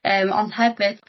yym ond hefyd